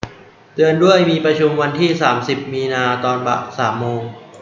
เตือนด้วยมีประชุมวันที่สามสิบมีนาตอนสามโมง